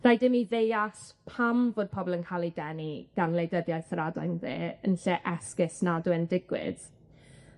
Rhaid i ni ddeall pam fod pobol yn ca'l eu denu gan wleidyddiaeth yr adain dde, yn lle esgus nad yw e'n digwydd.